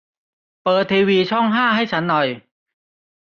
เปิดทีวีช่องห้าให้ฉันหน่อย